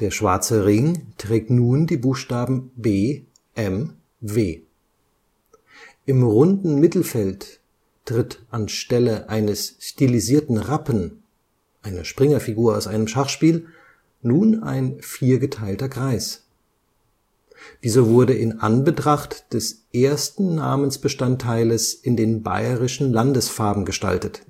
schwarze Ring trägt nun die Buchstaben B M W. Im runden Mittelfeld tritt anstelle eines stilisierten Rappen (eine Springer-Figur aus einem Schachspiel) ein viergeteilter Kreis. Dieser wurde in Anbetracht des ersten Namensbestandteiles in den bayerischen Landesfarben gestaltet